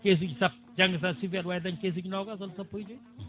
caisses sappo janggo sa suufi aɗa wawi dañde caisses uji npgas walla sappo e joyyi